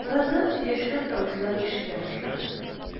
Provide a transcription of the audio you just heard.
Бераздан сөйләшкән тавышлар ишетелә башлады.